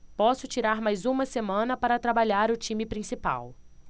posso tirar mais uma semana para trabalhar o time principal